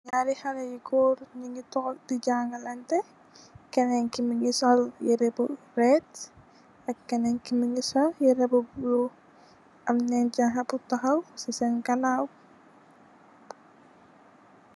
Naari xale gu goor nugi tog di xagalante kenen ki mongi sol yereh bu red ak kenen ki mogi sol yere bu bulu amne janxa bu taxaw si sen ganaw.